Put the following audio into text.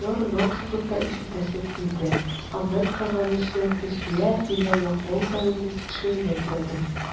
Теодор Нотт турында ишетәсем килде, аннан кәгазь эшенә керешергә биргән вәгъдә үтәвеңне тикшерергә теләдем.